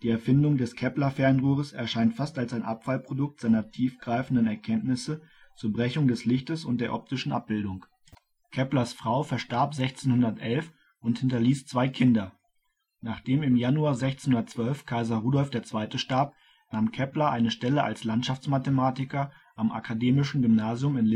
Erfindung des Kepler-Fernrohres erscheint fast als ein Abfallprodukt seiner tiefgreifenden Erkenntnisse zur Brechung des Lichtes und der optischen Abbildung. Keplers Frau verstarb 1611 und hinterließ zwei Kinder. Nachdem im Januar 1612 Kaiser Rudolf II. starb, nahm Kepler eine Stelle als Landschaftsmathematiker am Akademischen Gymnasium